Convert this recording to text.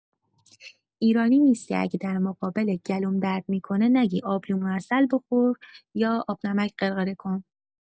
ایرانی نیستی اگر در مقابل گلوم درد می‌کنه نگی آبلیمو عسل بخور یا آبنمک غرغره کن